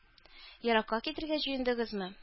Еракка китәргә җыендыгызмы?